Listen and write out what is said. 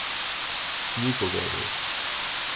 snípuvegur